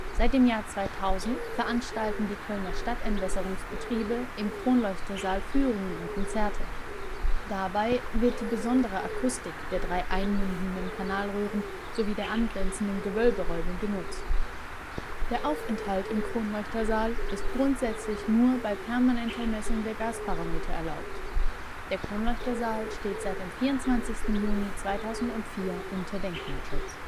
Seit 2000 veranstalten die Kölner Stadtentwässerungsbetriebe im Kronleuchtersaal Führungen und Konzerte. Dabei wird die besondere Akustik der drei einmündenden Kanalröhren sowie der angrenzenden Gewölberäume genutzt. Der Aufenthalt im Kronleuchtersaal ist grundsätzlich nur bei permanenter Messung der Gasparameter erlaubt. Der Kronleuchtersaal steht seit dem 24. Juni 2004 unter Denkmalschutz